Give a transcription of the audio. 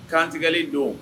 Kantigɛli don